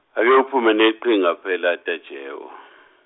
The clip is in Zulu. ake uphume neqhinga phela Tajewo .